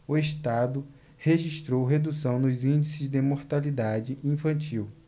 o estado registrou redução nos índices de mortalidade infantil